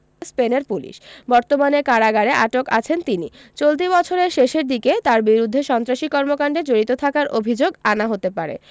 স্পেনের পুলিশ বর্তমানে কারাগারে আটক আছেন তিনি চলতি বছরের শেষের দিকে তাঁর বিরুদ্ধে সন্ত্রাসী কর্মকাণ্ডে জড়িত থাকার অভিযোগ আনা হতে পারে